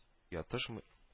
Ятышмы